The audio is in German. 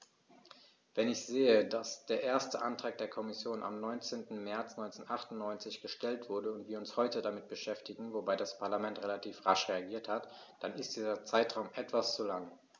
Wenn ich sehe, dass der erste Antrag der Kommission am 19. März 1998 gestellt wurde und wir uns heute damit beschäftigen - wobei das Parlament relativ rasch reagiert hat -, dann ist dieser Zeitraum etwas zu lang.